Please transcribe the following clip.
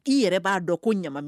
I yɛrɛ b'a dɔn ko ɲaman don.